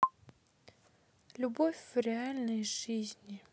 любовь в реальной жизни